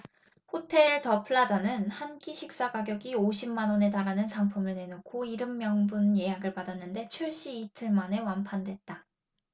호텔 더 플라자는 한 끼 식사 가격이 오십 만원에 달하는 상품을 내놓고 일흔 명분 예약을 받았는데 출시 이틀 만에 완판됐다